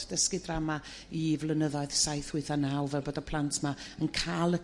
dysgu drama i flynyddoedd saith wyth a naw fel bod y plant 'ma yn ca'l y